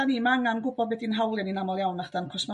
'da ni'm angan gw'bod be 'di'n hawlia' ni yn amal iawn achos ma